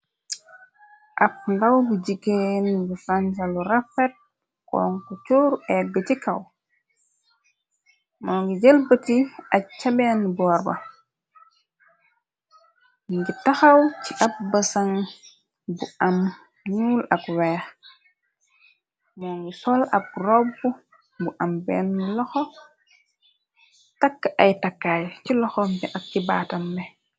Ab ndaw bu jigéen bu sansalu rafet kon ko cóoru egg ci kaw. Moo ngi jëlbati ak cameen. Goor ba i ngi taxaw ci ab bësaŋg bu am ñuul ak weex. Moo ngi sol ab robb bu am benn laxo. Takk ay takkaay ci loxom bi ak ci baatambe.